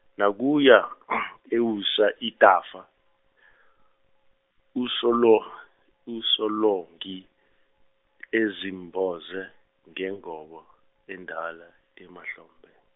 nanguya, ewusa ithafa usolo uSolongi ezimboze ngengubo endala emahlombe.